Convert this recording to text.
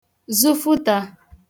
zụfụtā